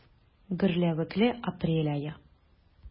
Гөрләвекле апрель ае.